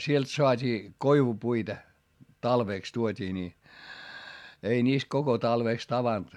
sieltä saatiin koivupuita talveksi tuotiin niin ei niistä koko talveksi tavannut